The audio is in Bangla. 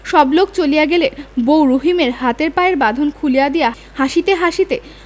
সবলোক চলিয়া গেলে বউ রহিমের হাতের পায়ের বাঁধন খুলিয়া দিয়া হাসিতে হাসিতে